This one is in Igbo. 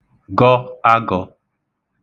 gọ agọ̄